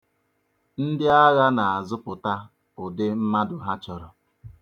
Ndị agha na-azụpụta ụdị mmadụ ha chọrọ.